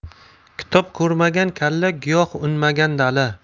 kitob ko'rmagan kalla giyoh unmagan dala